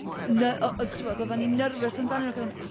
ny- yy, tibod, oedda ni'n nyrfys amdanyn nhw ac oedda ni'n mynd...